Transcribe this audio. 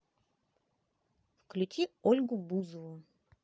включи ольгу бузову